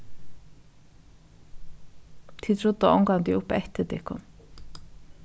tit rudda ongantíð upp eftir tykkum